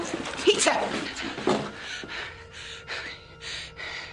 Peter.